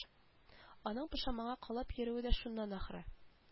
Аның пошаманга калып йөрүе дә шуннан ахры